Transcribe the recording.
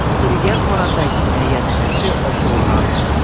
Иргә карата җинаять эше ачылган.